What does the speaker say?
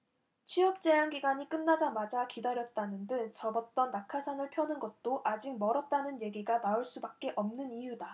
취업제한 기간이 끝나자마자 기다렸다는 듯 접었던 낙하산을 펴는 것도 아직 멀었다는 얘기가 나올 수밖에 없는 이유다